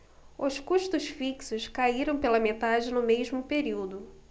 os custos fixos caíram pela metade no mesmo período